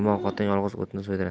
yomon xotin yolg'iz otni so'ydirar